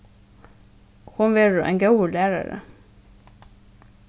hon verður ein góður lærari